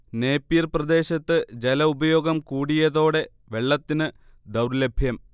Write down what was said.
Napier പ്രദേശത്ത് ജലഉപയോഗം കൂടിയതോടെ വെള്ളത്തിന് ദൗർലഭ്യം